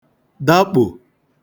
dakpò